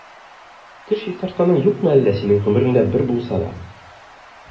Теш чистартканың юкмы әллә синең гомереңдә бер булса да?